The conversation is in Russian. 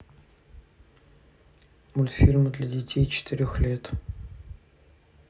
мультфильмы для детей четырех лет